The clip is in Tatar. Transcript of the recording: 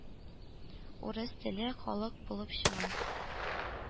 «урыс телле халык» булып чыга.